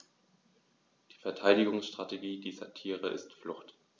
Die Verteidigungsstrategie dieser Tiere ist Flucht.